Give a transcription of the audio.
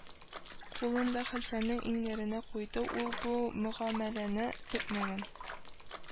Кулын да хәлфәнең иңнәренә куйды, ул бу мөгамәләне көтмәгән